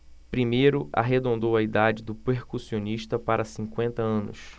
primeiro arredondou a idade do percussionista para cinquenta anos